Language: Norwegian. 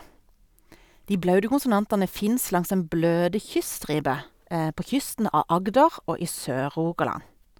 De blaute konsonantene fins langs den bløte kyststripe, på kysten av Agder og i Sør-Rogaland.